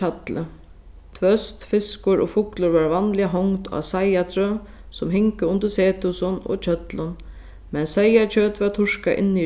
hjalli tvøst fiskur og fuglur vórðu vanliga hongd á seiðatrø sum hingu undir sethúsum og hjøllum men seyðakjøt varð turkað inni í